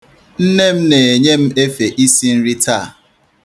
Nne m na-enye m efe isi nri taa.